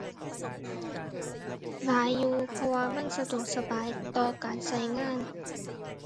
หลายอยู่ เพราะว่ามันสะดวกสบายต่อการใช้งาน